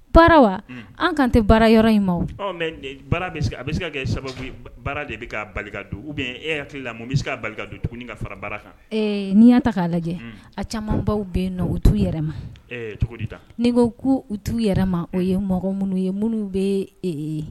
Baara wa an kan tɛ baara yɔrɔ in ma mɛ baara bɛ a bɛ se ka kɛ sababu baara de bɛ ka don u bɛ e hakili la mɛ bɛ se k ka bali don dugu ka fara baara kan n'i yan ta'a lajɛ a caman baw bɛ yen o t'u yɛrɛ ma cogodita n'i ko ko u t'u yɛrɛ ma o ye mɔgɔ minnu ye minnu bɛ